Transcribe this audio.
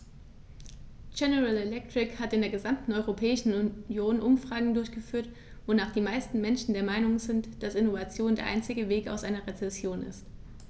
General Electric hat in der gesamten Europäischen Union Umfragen durchgeführt, wonach die meisten Menschen der Meinung sind, dass Innovation der einzige Weg aus einer Rezession ist.